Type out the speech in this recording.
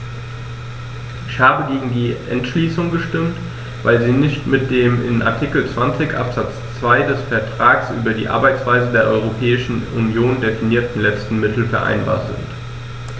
Ich habe gegen die Entschließung gestimmt, weil sie nicht mit dem in Artikel 20 Absatz 2 des Vertrags über die Arbeitsweise der Europäischen Union definierten letzten Mittel vereinbar ist.